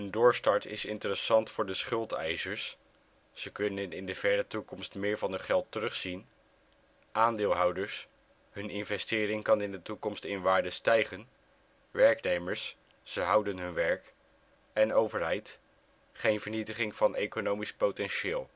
doorstart is interessant voor de schuldeisers (ze kunnen in de verre toekomst meer van hun geld terugzien), aandeelhouders (hun investering kan in de toekomst in waarde stijgen), werknemers (ze houden hun werk) en overheid (geen vernietiging van economisch potentieel